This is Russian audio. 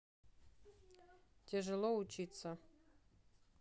тяжело учиться